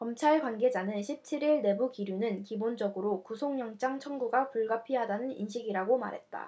검찰 관계자는 십 칠 일 내부 기류는 기본적으로 구속영장 청구가 불가피하다는 인식이라고 말했다